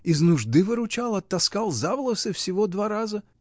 Из нужды выручал, оттаскал за волосы всего два раза.